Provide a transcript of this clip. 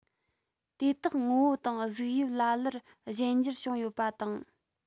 དེ དག ངོ བོ དང གཟུགས དབྱིབས ལ ལར གཞན འགྱུར བྱུང ཡོད པ དང